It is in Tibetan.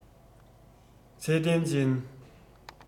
ཚད ལྡན ཅན